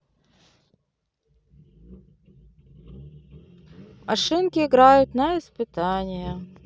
машинки играют на испытания